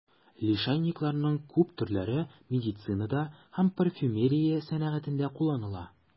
Лишайникларның күп төрләре медицинада һәм парфюмерия сәнәгатендә кулланыла.